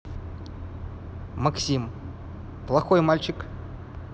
максим плохой мальчик